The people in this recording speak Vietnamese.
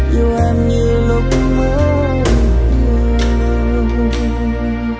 yêu em như lúc mới yêu